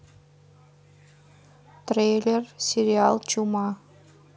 трейлер сериал чума